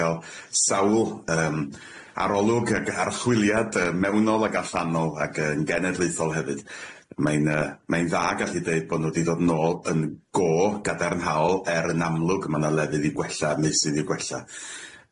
ca'l sawl yym arolwg ac archwiliad yy mewnol ac allanol ac yn genedlaethol hefyd, mae'n yy mae'n dda gallu deud bo' nw wedi dod nôl yn go gadarnhaol er yn amlwg ma' 'na lefydd i gwella meysydd i gwella.